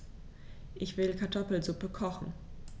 Ich will Kartoffelsuppe kochen.